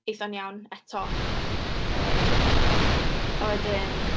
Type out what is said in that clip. eith o'n iawn eto, yy, trio peidio, a wedyn...